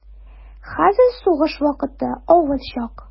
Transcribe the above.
Хәзер сугыш вакыты, авыр чак.